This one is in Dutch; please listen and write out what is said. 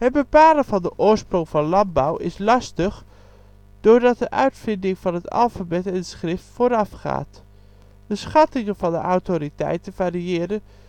bepalen van de oorsprong van landbouw is lastig doordat het de uitvinding van het alfabet en het schrift voorafgaat. De schattingen van autoriteiten variëren